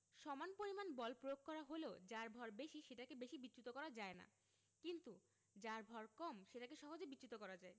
সমান পরিমাণ বল প্রয়োগ করা হলে যার ভর বেশি সেটাকে বেশি বিচ্যুত করা যায় না কিন্তু যার ভয় কম সেটাকে সহজে বিচ্যুত করা যায়